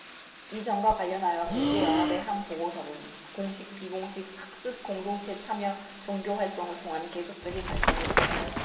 이 점과 관련하여 국제 연합의 한 보고서는 공식 비공식 학습 공동체 참여 종교 활동을 통한 계속적인 발전을 권하였습니다